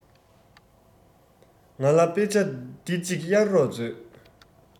ང ལ དཔེ ཆ འདི གཅིག གཡར རོགས མཛོད